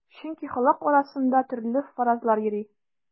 Чөнки халык арасында төрле фаразлар йөри.